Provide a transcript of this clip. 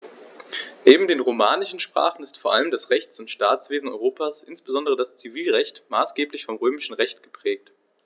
Neben den romanischen Sprachen ist vor allem das Rechts- und Staatswesen Europas, insbesondere das Zivilrecht, maßgeblich vom Römischen Recht geprägt.